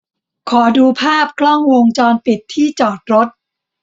ขอดูภาพกล้องวงจรปิดที่จอดรถ